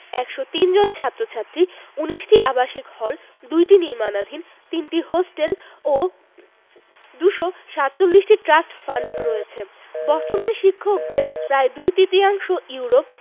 ১০৩ জন ছাত্র ছাত্রী ১৯টি আবাসিক হল ২টি নির্মাণাধীন ৩টি হোস্টেল ও ২৪৭টি ট্রাস্ট ফান্ড রয়েছে বর্তমান শিক্ষকদের প্রায় দুই তৃতীয়াংশ ইউরোপ